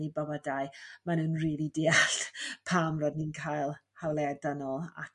eu bywydau mae n'w'n rili deall pam ro'dd ni'n cael hawliau dynol ac